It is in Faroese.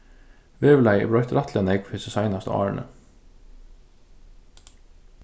veðurlagið er broytt rættiliga nógv hesi seinastu árini